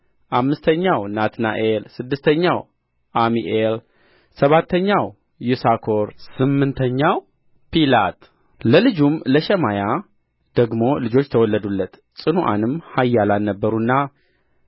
አምስተኛው ናትናኤል ስድስተኛው ዓሚኤል ሰባተኛው ይሳኮር ስምንተኛው ፒላቲ ለልጁም ለሸማያ ደግሞ ልጆች ተወለዱለት ጽኑዓንም ኃያላን ነበሩና